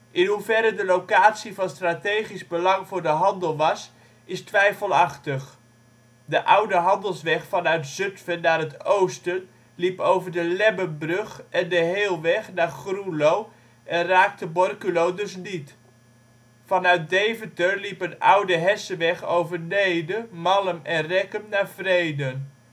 In hoeverre de locatie van strategisch belang voor de handel was, is twijfelachtig. De oude handelsweg vanuit Zutphen naar het oosten liep over de Lebbenbrug en de Heelweg naar Groenlo en raakte Borculo dus niet. Vanuit Deventer liep er een oude Hessenweg over Neede, Mallem en Rekken naar Vreden